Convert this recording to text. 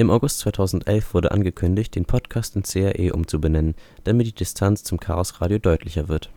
August 2011 wurde angekündigt, den Podcast in CRE umzubenennen, damit die Distanz zum Chaosradio deutlicher wird